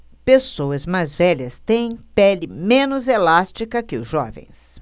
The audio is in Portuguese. pessoas mais velhas têm pele menos elástica que os jovens